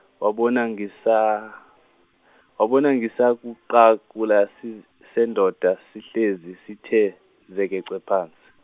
wabona ngesi- wabona ngesiqukaquka si- sendoda sihlezi sithe zekece phansi.